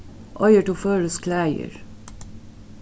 eigur tú føroysk klæðir